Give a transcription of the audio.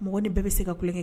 Mɔgɔɔgɔn bɛɛ bɛ se ka kukɛ kɛ